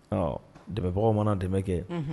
Ɔ dɛmɛbagaw mana dɛmɛ kɛ